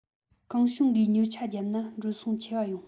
གང བྱུང གིས ཉོ ཆ བརྒྱབ ན འགྲོ སོང ཆེ བ ཡོང